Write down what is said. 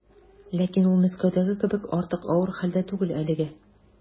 Ләкин ул Мәскәүдәге кебек артык авыр хәлдә түгел әлегә.